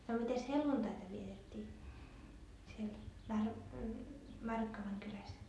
no mitenkäs helluntaita vietettiin siellä Markkovan kylässä